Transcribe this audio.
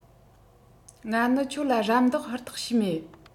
ང ནི ཁྱོད ལ རམ འདེགས ཧུར ཐག བྱས མེད